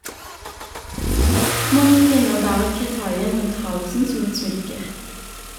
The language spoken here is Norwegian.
Mange kvinner bærer keitai-en rundt halsen som et smykke.